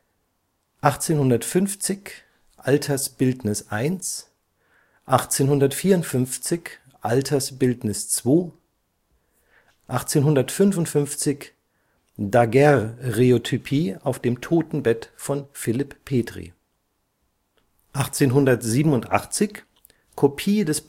1850 Altersbildnis 1 (Stahlstich?) 1854 Altersbildnis 2 (Stahlstich?) 1855 Daguerreotypie auf dem Totenbett von Philipp Petri (1800 – 1868) 1887 Kopie des